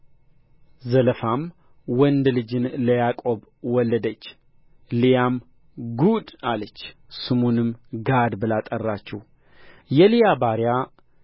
ዘለፋም ወንድ ልጅን ለያዕቆብ ወለደች ልያም ጉድ አለች ስሙንም ጋድ ብላ ጠራችው የልያ ባሪያ